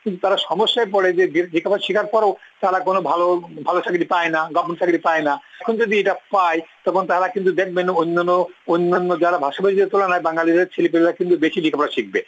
কিন্তু তাদের সমস্যায় পড়ে যে লেখাপড়া শিকার পরও তারা কোন ভালো ভালো চাকরি পায় না গভমেন্ট চাকরি পায় না এখন যদি এটা পায় তখন তারা কিন্তু দেখবেন অন্যান্য যারা ভাষাভাষীদের তুলনায় বাঙ্গালীদের ছেলেপিলেরা কিন্তু বেশি লেখাপড়া শিখবে